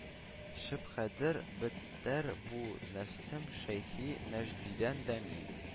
«шөбһәдер: бәдтәр бу нәфсем шэйхе нәҗдидән дәми